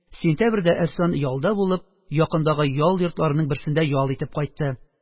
Сентябрьдә әсфан ялда булып, якындагы ял йортларының берсендә ял итеп кайтты.